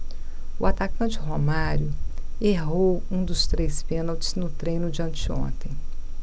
o atacante romário errou um dos três pênaltis no treino de anteontem